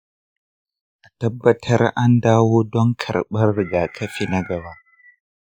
a tabbatar an dawo don karbar rigakafi na gaba